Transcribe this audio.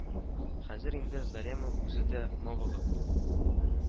Хәзер инде Зарема үзе дә мавыгып